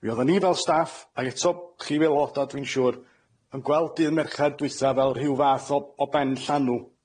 Mi oddan ni fel staff, ac eto chi fel aeloda' dwi'n siŵr, yn gweld dydd Merchar dwytha fel rhyw fath o o benllanw.